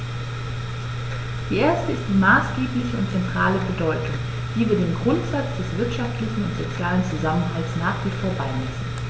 Der erste ist die maßgebliche und zentrale Bedeutung, die wir dem Grundsatz des wirtschaftlichen und sozialen Zusammenhalts nach wie vor beimessen.